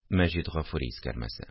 Мәҗит Гафури искәрмәсе